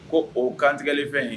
Ko o kantigɛli fɛn yen